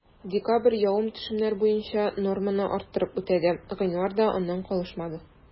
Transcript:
Декабрь явым-төшемнәр буенча норманы арттырып үтәде, гыйнвар да аннан калышмады.